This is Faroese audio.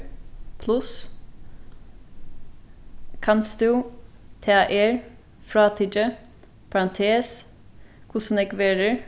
pluss kanst tú tað er frátikið parantes hvussu nógv verður